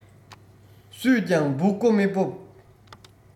སུས ཀྱང འབུ རྐོ མི སྤོབས